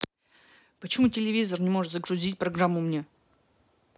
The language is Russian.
почему телевизор не можешь загрузить программу мне